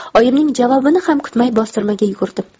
oyimning javobini ham kutmay bostirmaga yugurdim